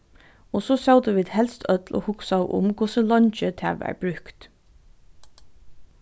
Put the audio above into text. og so sótu vit helst øll og hugsaðu um hvussu leingi tað varð brúkt